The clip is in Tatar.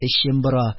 Эчем бора